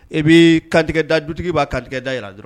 E b'i kantigɛ da du b'a kantigɛ da jira dɔrɔn